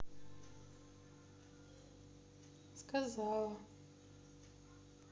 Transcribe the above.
сказала